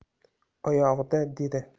oyog'ida dedi